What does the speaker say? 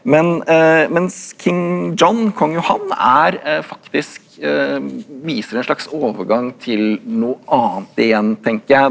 men mens John kong Johan er er faktisk viser en slags overgang til noe annet igjen tenker jeg.